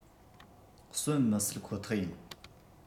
གསོན མི སྲིད ཁོ ཐག ཡིན